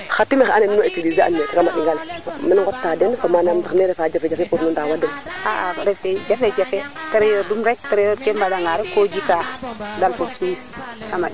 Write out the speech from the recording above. anda o xesa nga bugo topatox boɓ ne de njaŋik xes bugo topat wa o cherie li xana jeg ka yaac na gulu teen kaga tax pin ke yenisaay salade fe yaaco weera nda